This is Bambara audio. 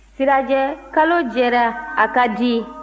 sirajɛ kalo jɛra a ka di